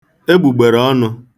egbùgbèrè ọnụ̄